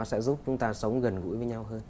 sẽ giúp chúng ta sống gần gũi với nhau hơn